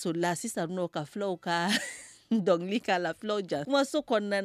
So la sisan'o ka fulaw ka dɔnkili k'a la fulaw jan ma so kɔnɔna